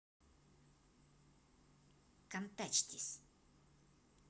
контачтесь